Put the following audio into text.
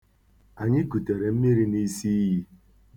Anyị kutere mmiri n'isiiyi.